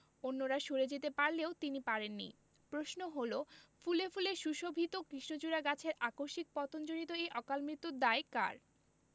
অন্যরা সরে যেতে পারলেও তিনি পারেননি প্রশ্ন হলো ফুলে ফুলে সুশোভিত কৃষ্ণচূড়া গাছের আকস্মিক পতনজনিত এই অকালমৃত্যুর দায় কার